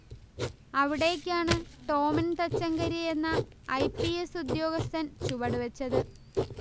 അവിടേക്കാണ് ടോമിൻ തച്ചങ്കരി എന്ന I. P. S. ഉദ്യോഗസ്ഥൻ ചുവടുവെച്ചത്